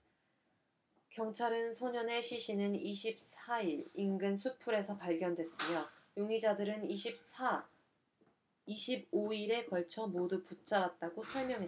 경찰은 소년의 시신은 이십 사 일 인근 수풀에서 발견됐으며 용의자들을 이십 사 이십 오 일에 걸쳐 모두 붙잡았다고 설명했다